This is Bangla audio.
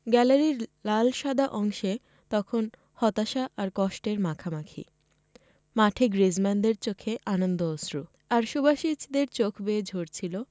গ্যালারির লাল সাদা অংশে তখন হতাশা আর কষ্টের মাখামাখি মাঠে গ্রিজমানদের চোখে আনন্দ অশ্রু আর সুবাসিচদের চোখ বেয়ে ঝরছিল